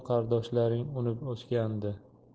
qardoshlaring unib o'sgandi